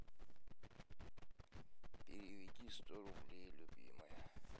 переведи сто рублей любимая